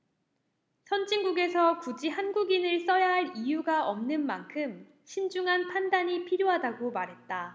선진국에서 굳이 한국인을 써야할 이유가 없는 만큼 신중한 판단이 필요하다고 말했다